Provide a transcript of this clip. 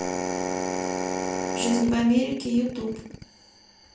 жизнь в америке ютуб